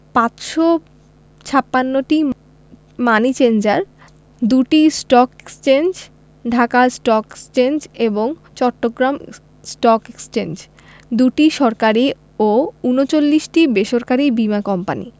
৫৫৬টি money changer ২টি stock exchange Dhaka stock exchange এবং চট্টগ্রাম স্টক এক্সচেঞ্জ ২টি সরকারি ও ৩৯টি বেসরকারি বীমা কোম্পানি